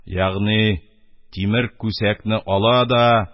Ягъни тимер күсәкне ала да